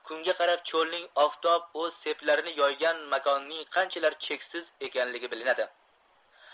kunga qarab cho'lning oftob o'z seplarini yoygan makonning qanchalar cheksiz ekanligi bilinadi